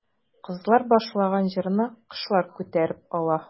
Кызлар башлаган җырны кошлар күтәреп ала.